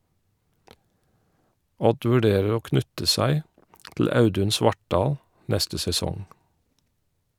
Odd vurderer å knytte seg til Audun Svartdal neste sesong.